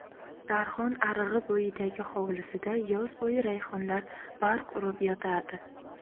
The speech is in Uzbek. darhon arig'i bo'yidagi hovlisida yoz bo'yi rayhonlar barq urib yotardi